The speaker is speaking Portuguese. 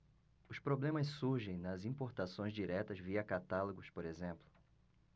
os problemas surgem nas importações diretas via catálogos por exemplo